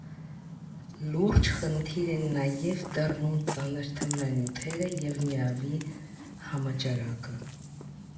Լուրջ խնդիր են նաև դառնում ծանր թմրանյութերը և ՄԻԱՎ֊ի համաճարակը։